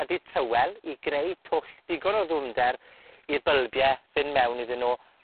ydi trywel i greu twll digon o ddwfnder i'r bylbie fynd mewn iddyn nw,